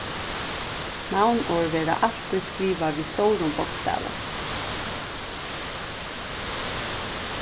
navnorð verða altíð skrivað við stórum bókstavi